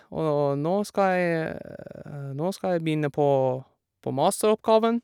Og nå skal jeg nå skal jeg begynne på på masteroppgaven.